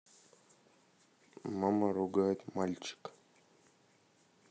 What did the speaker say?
мама ругает мальчик